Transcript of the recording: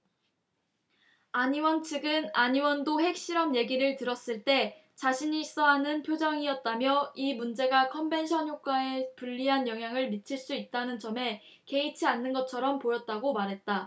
안 의원 측은 안 의원도 핵실험 얘기를 들었을 때 자신있어 하는 표정이었다며 이 문제가 컨벤션효과에 불리한 영향을 미칠 수 있다는 점에 개의치 않는 것처럼 보였다고 말했다